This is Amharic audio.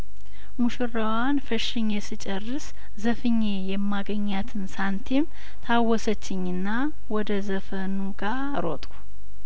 ሙሽራዋን ፈሽኜ ስጨርስ ዘፍኜ የማገኛትን ሰንቲም ታወሰቺኝና ወደ ዘፈኑጋ ሮጥኩ